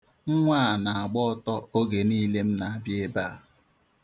Nwa a na-agba ọtọ oge niile m na-abịa ebe a.